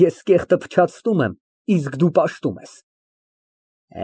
Ես կեղտը փչացնում եմ, իսկ դու պաշտում ես։